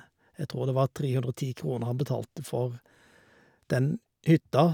Jeg tror det var tre hundre og ti kroner han betalte for den hytta.